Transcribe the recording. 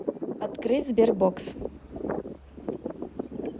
открыть sberbox